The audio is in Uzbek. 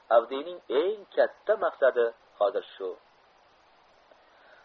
avdiyning eng katta maqsadi hozir shu